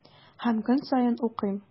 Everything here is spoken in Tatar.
Һәм көн саен укыйм.